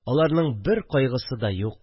Аларның бер кайгысы да юк